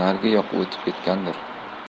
narigi yoqqa o'tib ketgandir